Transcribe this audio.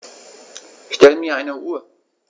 Stell mir eine Uhr.